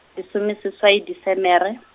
lesomeseswai Desemere .